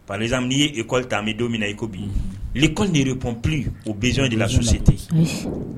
par exemple ni ye école ta , an bɛ don min na i ko bi, l'école ne répond plus au besoin de la société